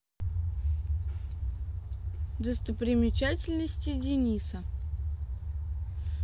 достопримечательности дениса